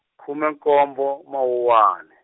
khume nkombo Mawuwani.